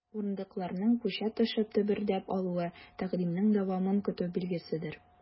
Урындыкларның, күчә төшеп, дөбердәп алуы— тәкъдимнең дәвамын көтү билгеседер.